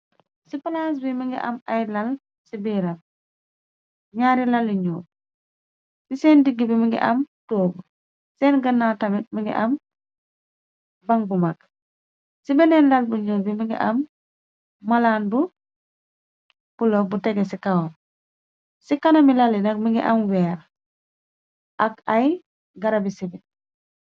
Ci plaas bi mi ngi am ay lal ci biiram, ñaari lal yu ñuul, ci seen digg bi mingi am tóogu, seen ganaw tamit mingi am baŋ bu mag. Ci benneen lal bi ñuul bi mingi am malaan bu bulo bu tegu ci kawam, ci kanami lal yi nak, mi ngi am weer ak ay garabi sibi.